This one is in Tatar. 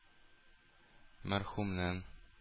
Мәрхүмнән